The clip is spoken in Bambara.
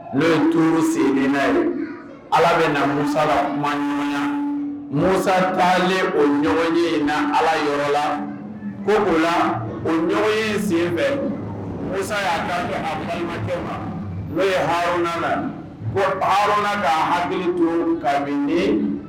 N'o ye tu senina ye ala bɛ na musala ma ɲɔgɔnya musa taalen o ɲɔgɔn ye na ala yɔrɔ la ko o la o ɲɔgɔn ye senfɛ mu y'a kan kɛ akɛ ma n'o ye hr nana ko hɔrɔnruna ka hakili duuru kabini